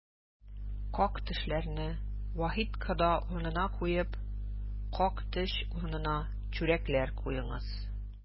Как-төшләрне Вахит кода урынына куеп, как-төш урынына чүрәкләр куеңыз!